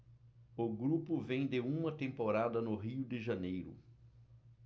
o grupo vem de uma temporada no rio de janeiro